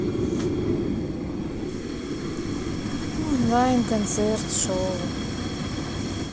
онлайн концерт шоу